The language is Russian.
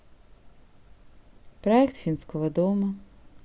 проект финского дома